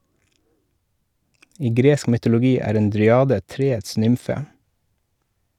I gresk mytologi er en dryade treets nymfe.